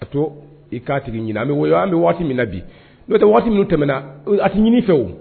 A to i ka ɲinin an bɛ an bɛ waati min na bi n'o tɛ waati ninnu tɛmɛna a tɛ ɲinin fɛ o